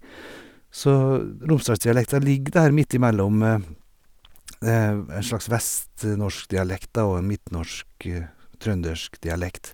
Så Romsdals-dialekta ligger der midt i mellom v en slags vestnorsk dialekt, da, og en midtnorsk, trøndersk, dialekt.